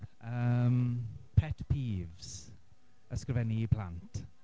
yym pet peeves. Ysgrifennu i plant.